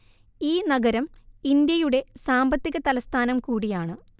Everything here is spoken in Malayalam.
ഈ നഗരം ഇന്ത്യയുടെ സാമ്പത്തിക തലസ്ഥാനം കൂടിയാണ്‌